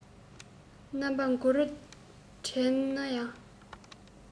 རྣམ པ དགུ རུ འདྲེན ན ཡང